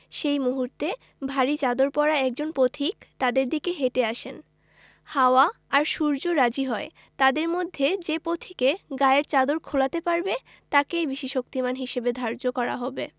সেই মুহূর্তে ভারি চাদর পরা একজন পথিক তাদের দিকে হেটে আসেন হাওয়া আর সূর্য রাজি হয় তাদের মধ্যে যে পথিকে গায়ের চাদর খোলাতে পারবে তাকেই বেশি শক্তিমান হিসেবে ধার্য করা হবে